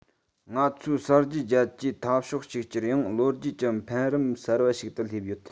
ང ཚོའི གསར བརྗེའི རྒྱལ གཅེས འཐབ ཕྱོགས གཅིག གྱུར ཡང ལོ རྒྱུས ཀྱི འཕེལ རིམ གསར པ ཞིག ཏུ སླེབས ཡོད